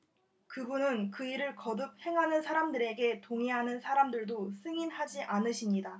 그분은 그 일을 거듭 행하는 사람들에게 동의하는 사람들도 승인하지 않으십니다